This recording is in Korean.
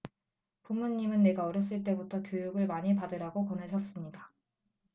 부모님은 내가 어렸을 때부터 교육을 많이 받으라고 권하셨습니다